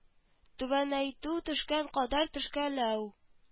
Түбәнәйтү төшкән кадәр төшкәләү